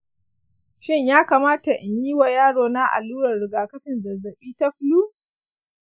shin ya kamata in yi wa yarona allurar riga-kafin zazzaɓi ta 'flu'?